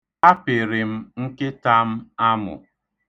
Apịrị m nkịta m amụ.